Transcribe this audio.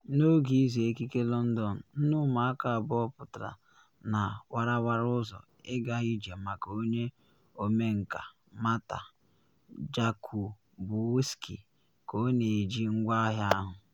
N’oge Izu Ekike London, nne ụmụaka abụọ pụtara na warawara ụzọ ịga ije maka onye ọmenka Marta Jakubowski ka ọ na eji ngwaahịa ahụ.